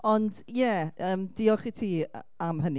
Ond ie, yym diolch i ti a- am hynny.